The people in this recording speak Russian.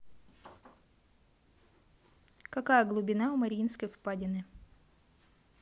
какая глубина у мариинской впадины